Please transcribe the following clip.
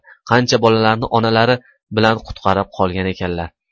qancha bolalarni onalari bilan qutqarib qolgan ekanlar